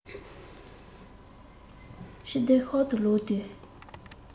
ཕྱིར སྡོད ཤག ཏུ ལོག དུས